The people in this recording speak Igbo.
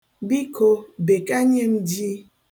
Biko, bekanye m ji.